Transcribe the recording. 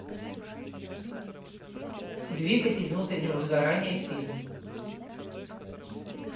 двигатель внутреннего сгорания фильм